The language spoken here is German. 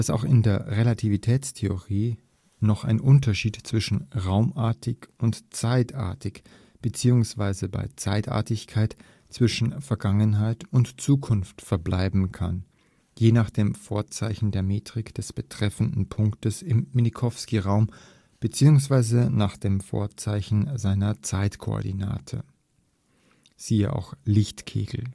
auch in der Relativitätstheorie noch ein Unterschied zwischen raumartig und zeitartig bzw. - bei Zeitartigkeit - zwischen „ Vergangenheit “und „ Zukunft “verbleiben kann, je nach dem Vorzeichen der Metrik des betrachteten Punktes im Minkowski-Raum bzw. nach dem Vorzeichen seiner Zeitkoordinate (siehe auch: Lichtkegel